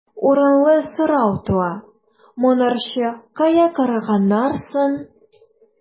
Урынлы сорау туа: моңарчы кая караганнар соң?